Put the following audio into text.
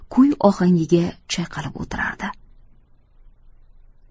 kuy ohangiga chayqalib o'tirardi